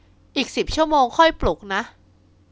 อีกสิบชั่วโมงค่อยปลุกนะ